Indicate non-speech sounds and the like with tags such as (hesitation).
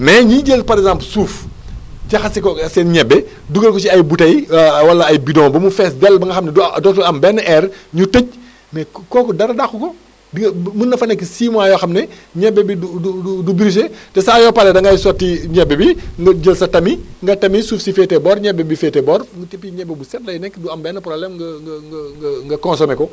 mais ñi jël par exemple suuf jaxase ko seen ñebe dugal ko si ay bouteilles (hesitation) wala ay bidon ba mu fees dell ba nga xam ne du a dootul am benn air (breath) ñu tëj mais kooku dara dàqu ko di nga mën na fa nekk 6 mois mois yoo xam ne ñebe bi du du du du brisé te saa yoo paree da ngay sotti ñebe bi nga jël sa tami nga tami suuf si féetee boor ñebe bi féetee boor te et puis ñebe bu set lay nekk du am benn problème nga nga nga nga nga consommer ko